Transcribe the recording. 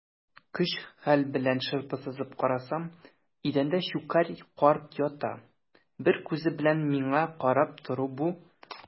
Көч-хәл белән шырпы сызып карасам - идәндә Щукарь карт ята, бер күзе белән миңа карап тора бу, икенче күзен йомган.